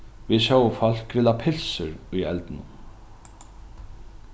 vit sóu fólk grilla pylsur í eldinum